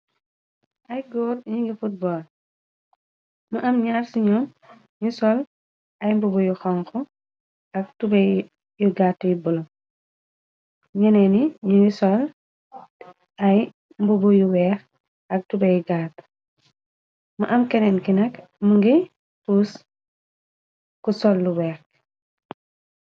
Ay góor ni nge football më am nyaar siñoom ñu sol ay mbubo yu xonk ak tube yu gaat yi bulo ñenee ni ñu ni sol ay mbubu yu weex ak tubey gaat mu am keneen kinag mu nge pus ku sol lu weex.